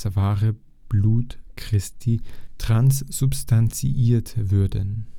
wahre Blut Christi transsubstanziiert (verwandelt) würden